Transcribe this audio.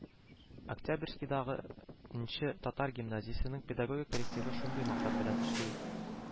Октябрьскийдагы нче татар гимназиясенең педагогик коллективы шундый максат белән эшли